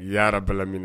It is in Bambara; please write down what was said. Yaara bɛinɛ